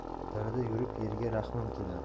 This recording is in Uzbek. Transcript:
dalada yurib yerga rahmim keladi